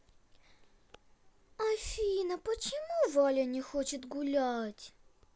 афина почему валя не хочет гулять